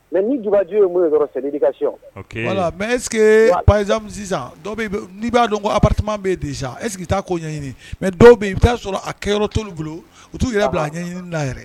Mɛ ni ncibaju minnu seli ka si mɛ e bakarijan sisan n'i b'a dɔn ko bɛ di e sigi taa ko ɲɛɲini mɛ dɔw sɔrɔ a ke t u t'u yɛrɛ bila a ɲɛɲini n'a yɛrɛ